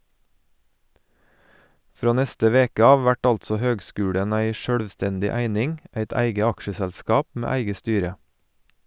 Frå neste veke av vert altså høgskulen ei sjølvstendig eining, eit eige aksjeselskap med eige styre.